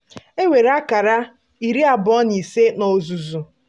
E nwere akara 25 n'ozuzu.